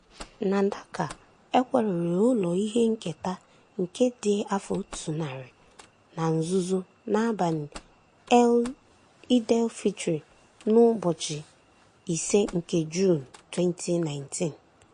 Na Dhaka, e kwariri ụlọ ihe nketa dị afọ otu narị na nzuzo n'abalị Eid-ul-Fitr n'ụbọchị 5 nke Juun, 2019.